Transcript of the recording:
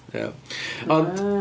Ie, ond...